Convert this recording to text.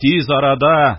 Тиз арада,